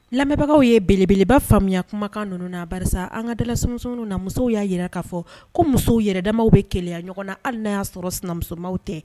Lamɛnbagaw ye belebeleba faamuyaya kumakan ninnu na ba an kadalaum na musow y'a jira kaa fɔ ko musow yɛrɛdaw bɛ kɛlɛya ɲɔgɔn na hali na y'a sɔrɔ sinamusoma tɛ